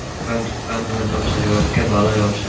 tuqqan tuqqan bilan topishar yotga balo yopishar